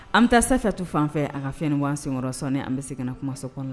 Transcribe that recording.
An bɛ taa sanfɛtu fanfɛ a ka fɛn wa senyɔrɔ sɔ an bɛ seginna ka kumaso kɔnɔ la